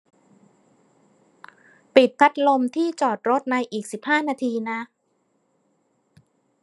ปิดพัดลมที่จอดรถในอีกสิบห้านาทีนะ